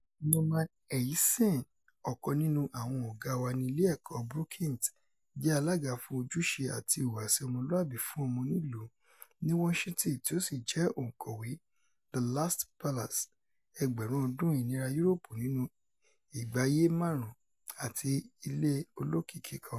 Norman Eisen, ọ̀kan nínú àwọn ọ̀gá wa ní ilé ẹ̀kọ́ Brookings, jẹ́ alága fún Ojúṣe àti ìhùwàsí ọmọlúàbí fún Ọmọ onílùú ní Washington tí ó sì jẹ́ òǹkọ̀wé “The Last Palace: Ẹgbẹrun ọdun Inira Uropu nínú Igba aye Marun ati Ile Olokiki Kan.”